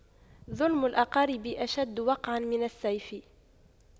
ظلم الأقارب أشد وقعا من السيف